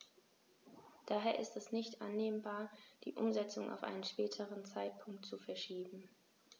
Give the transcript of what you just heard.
Daher ist es nicht annehmbar, die Umsetzung auf einen späteren Zeitpunkt zu verschieben.